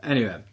eniwe